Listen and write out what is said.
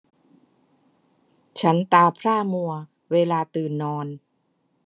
ฉันตาพร่ามัวเวลาตื่นนอน